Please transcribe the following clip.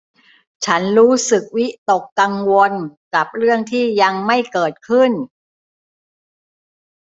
ฉันรู้สึกวิตกกังวลกับเรื่องที่ยังไม่เกิดขึ้น